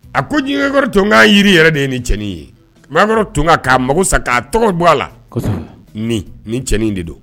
A ko jkɔrɔ to n'a jiri yɛrɛ de ye ni cɛnin ye n b'a tun'a mako sa k'a tɔgɔ don a la nin nin cɛnin de do